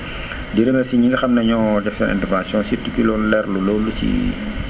di remercié ñi nga xam ne ñoo def seen intervention surtout ki doon leerlu loolu ci